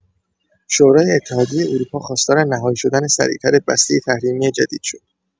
شورای اتحادیه اروپا خواستار نهایی شدن سریع‌تر بسته تحریمی جدید شد.